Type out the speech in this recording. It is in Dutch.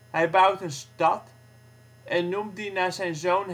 Hij bouwt een stad en noemt die naar zijn zoon